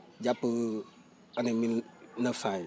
jàpp année mille neuf cent yi